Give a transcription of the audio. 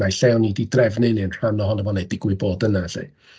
Naill ai o'n i 'di ei drefnu, neu'n rhan o honno, neu'n digwydd bod yna 'lly.